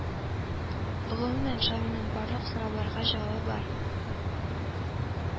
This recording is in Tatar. Гомумән, Шамилнең барлык сорауга җавабы бер